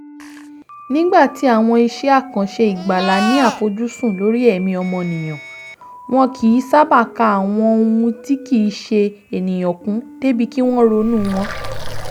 Nígbà tí àwọn iṣẹ́ àkànṣe ìgbàlà ní àfojúsùn lórí ẹ̀mí ọmọnìyàn, wọ́n kìí sábà ka àwọn ohun tí kìí ṣe ènìyàn kún débì kí wọ́n ronú wọn.